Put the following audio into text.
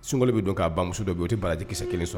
Sungo bɛ don k'a bamuso dɔ yen oo tɛ barajɛ kikisɛ kelen sɔrɔ